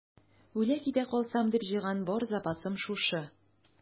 Үлә-китә калсам дип җыйган бар запасым шушы.